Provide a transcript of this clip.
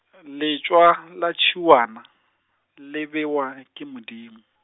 letšwa la tšhuana, le bewa ke Modimo.